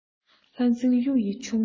ལྷ རྫིང གཡུ ཡི ཕྱུག མོ